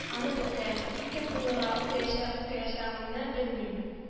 Аны бетерәм... Тик кем булырга укыяча укыячагымны белмим